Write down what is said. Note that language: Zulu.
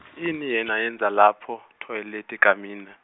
ini yena enza lapho toilet kamina.